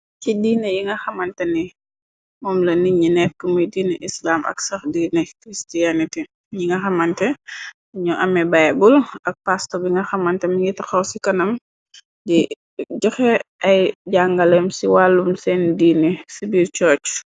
Ci diini yi nga xamantani moom la nit ñi nekk, muy dini islam, ak sax dini christianity, ñi nga xamante ñu ame baybul, ak pastor bi nga xamante mi ngi taxaw ci kanam, di joxe ay jangaleem ci wàllum seen diini ci biir church.